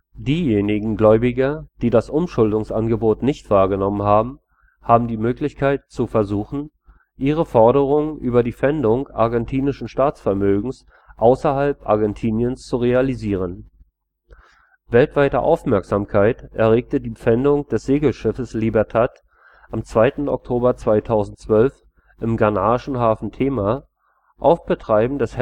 Diejenigen Gläubiger, die das Umschuldungsangebot nicht wahrgenommen haben, haben die Möglichkeit, zu versuchen, ihre Forderungen über die Pfändung argentinischen Staatsvermögens außerhalb Argentiniens zu realisieren. Weltweite Aufmerksamkeit erregte die Pfändung des Segelschiffes Libertad am 2. Oktober 2012 im ghanaischen Hafen Tema auf Betreiben des